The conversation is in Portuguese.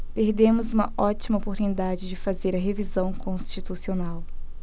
perdemos uma ótima oportunidade de fazer a revisão constitucional